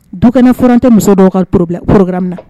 Dɔwk fɔratɔ muso dɔw kaoroorourmina na